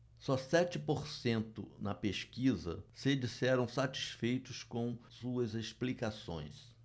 só sete por cento na pesquisa se disseram satisfeitos com suas explicações